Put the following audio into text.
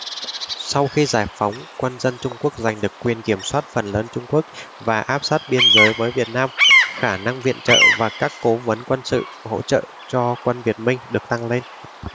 sau khi giải phóng quân nhân dân trung quốc giành được quyền kiểm soát phần lớn trung quốc và áp sát biên giới với việt nam khả năng viện trợ và các cố vấn quân sự hỗ trợ cho quân việt minh được tăng lên